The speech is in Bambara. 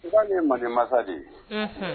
N ye manden masa de ye